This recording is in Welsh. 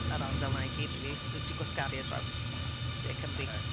Yr ardal 'na i gyd rili. So 'di gwasgaru ar draws De Cymru... ocê.